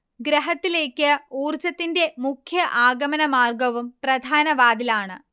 ഗൃഹത്തിലേക്ക് ഊർജ്ജത്തിന്റെ മുഖ്യ ആഗമനമാർഗ്ഗവും പ്രധാന വാതിൽ ആണ്